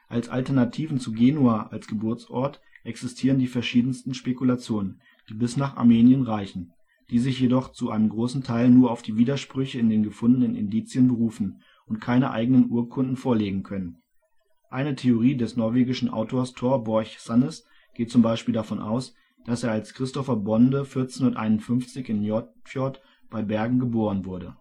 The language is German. Als Alternativen zu Genua als Geburtsort existieren die verschiedensten Spekulationen, die bis nach Armenien reichen, die sich jedoch zu einem großen Teil nur auf die Widersprüche in den gefundenen Indizien berufen und keine eigenen Urkunden vorlegen können. Eine Theorie des norwegischen Autors Tor Borch Sannes geht zum Beispiel davon aus, dass er als Christopher Bonde 1451 in Nordfjord bei Bergen geboren wurde